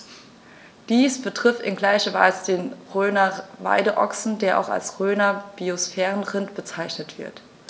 Dies betrifft in gleicher Weise den Rhöner Weideochsen, der auch als Rhöner Biosphärenrind bezeichnet wird.